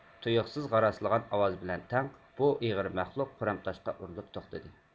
تۇيۇقسىز غاراسلىغان ئاۋاز بىلەن تەڭ بۇ ئېغىر مەخلۇق قۇرام تاشقا ئۇرۇلۇپ توختىدى